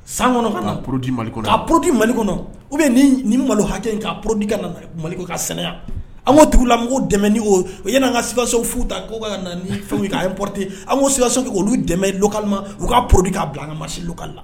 San kɔnɔn ka porodi porourdi mali kɔnɔ u bɛ nin malo hakɛ ka porodi ka mali ka sɛnɛya an tugula dɛmɛ o o yean ka sikaso fu k' ka fɛn' pote an'u sikaso olu dɛmɛ lkama u ka podi k'a bila an ka masiluka la